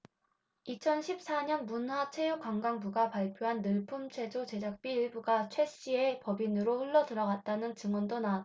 이천 십 사 년 문화체육관광부가 발표한 늘품체조 제작비 일부가 최씨의 법인으로 흘러들어 갔다는 증언도 나왔다